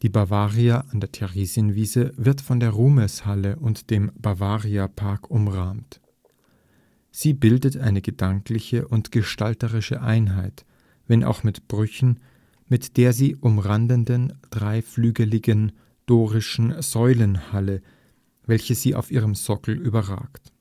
Bavaria an der Theresienwiese wird von der Ruhmeshalle und dem Bavariapark umrahmt. Sie bildet eine gedankliche und gestalterische Einheit, wenn auch mit Brüchen, mit der sie umrahmenden dreiflügeligen dorischen Säulenhalle, welche sie auf ihrem Sockel überragt